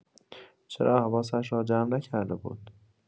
چرا حواسش را جمع نکرده بود؟